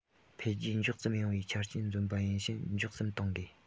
འཕེལ རྒྱས མགྱོགས ཙམ ཡོང བའི ཆ རྐྱེན འཛོམས པ ཡིན ཕྱིན མགྱོགས ཙམ གཏོང དགོས